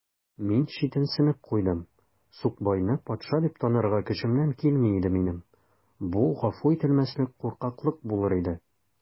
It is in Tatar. Мин читенсенеп куйдым: сукбайны патша дип танырга көчемнән килми иде минем: бу гафу ителмәслек куркаклык булыр иде.